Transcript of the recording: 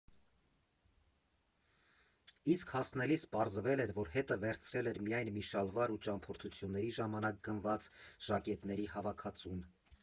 Իսկ հասնելիս պարզվել էր, որ հետը վերցրել էր միայն մի շալվար ու ճամփորդությունների ժամանակ գնված ժակետների հավաքածուն։